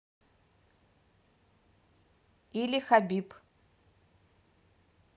или хабиб